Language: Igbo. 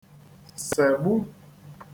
sègbu